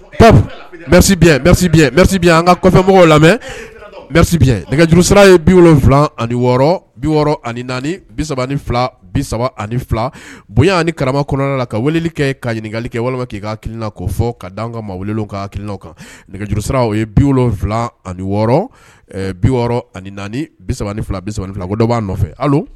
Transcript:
Bi an kamɔgɔw lamɛn nɛgɛjurusira ye bi wolonwula ani wɔɔrɔ bi wɔɔrɔ ani naani bi fila bi ani fila bonya ni kara kɔnɔn la ka weeleli kɛ ka ɲininkali kɛ walima k' ka kiina ko fɔ ka' an ka ma ka kiina kan nɛgɛjurusira ye bi wolonwula ani wɔɔrɔ bi wɔɔrɔ ani naani bisa dɔ b'a nɔfɛ